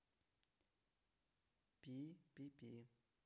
пи пипи